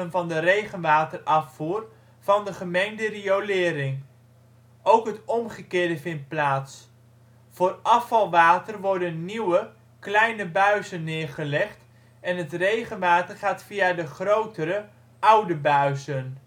van de regenwaterafvoer van de gemengde riolering. Ook het omgekeerde vindt plaats: voor afvalwater worden nieuwe (kleine) buizen neergelegd, en het regenwater gaat via de (grotere) oude buizen